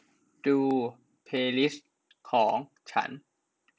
ดูเพลลิสท์ของฉัน